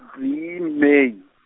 tee May.